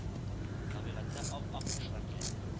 Табигатьтә ап-ак кышлар килә